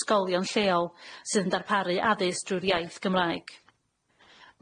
ysgolion lleol sydd yn darparu addysg drw'r iaith Gymraeg.